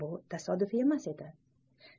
bu tasodifiy emas edi